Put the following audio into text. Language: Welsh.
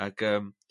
Ag yym